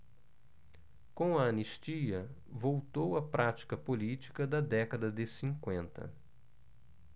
com a anistia voltou a prática política da década de cinquenta